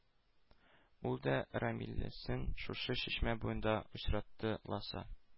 Ул да рәмиләсен шушы чишмә буенда очратты ласа...